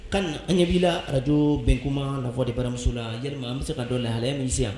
Kane an' ɲɛ b'ila Radio Benkuma la voix de baramuso la yalima an be se k'a dɔn lahalaya min y'i se yan